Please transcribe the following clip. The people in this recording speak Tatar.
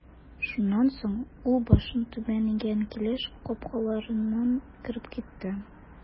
Шуннан соң ул башын түбән игән килеш капкаларыннан кереп китте.